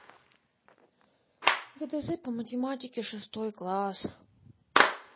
гдз по математике шестой класс